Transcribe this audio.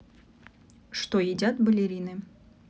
что едят балерины